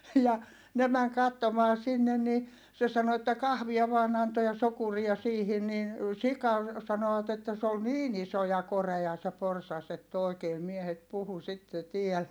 ja ne meni katsomaan sinne niin se sanoi että kahvia vain antoi ja sokeria siihen niin sika sanovat että se oli niin iso ja korea se porsas että oikein miehet puhui sitten täällä